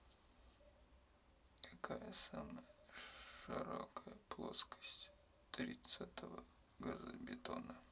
какая самая хорошая плотность тридцатого газобетона